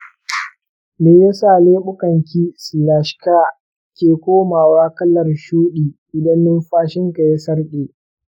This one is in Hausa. me yasa leɓunanki/ka ke komawa kalar shuɗi idan numfashinka ya sarƙe?